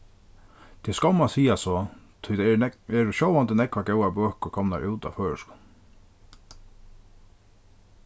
tað er skomm at siga so tí tað eru sjálvandi nógvar góðar bøkur komnar út á føroyskum